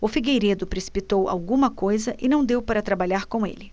o figueiredo precipitou alguma coisa e não deu para trabalhar com ele